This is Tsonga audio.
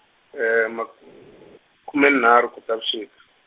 makume nharhu Khotavuxika.